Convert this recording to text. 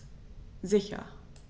Sicher.